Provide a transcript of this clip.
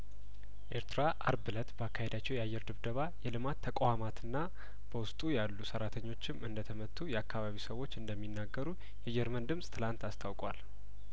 ኤርትራ አርብ እለት ባካሄ ደችው የአየር ድብደባ የልማት ተቋማትና በውስጡ ያሉ ሰራተኞችም እንደተመቱ የአካባቢው ሰዎች እንደሚናገሩ የጀርመን ድምጽ ትላንት አስታውቋል